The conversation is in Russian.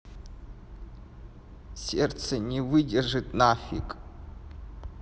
сердце не выдержит на фиг